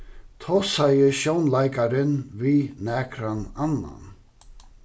tosaði sjónleikarin við nakran annan